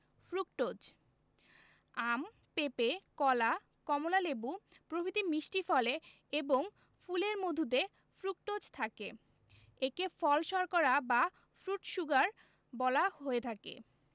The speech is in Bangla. ফ্রুকটোজ আম পেপে কলা কমলালেবু প্রভৃতি মিষ্টি ফলে এবং ফুলের মধুতে ফ্রুকটোজ থাকে একে ফল শর্করা বা ফ্রুট শুগার বলা হয়ে থাকে